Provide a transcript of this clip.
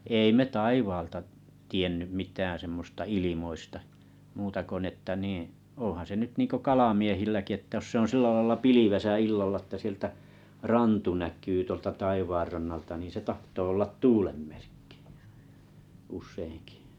ei me taivaalta - tiennyt mitään semmoista ilmoista muuta kuin niin että niin onhan se nyt niin kuin kalamiehilläkin että jos se on sillä lailla pilvessä illalla että sieltä rantu näkyy tuolta taivaanrannalta niin se tahtoo olla tuulen merkki useinkin